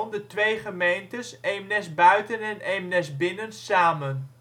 de twee gemeentes Eemnes-Buiten en Eemnes-Binnen samen